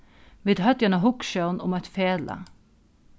vit høvdu eina hugsjón um eitt felag